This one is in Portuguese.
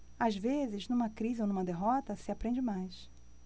às vezes numa crise ou numa derrota se aprende mais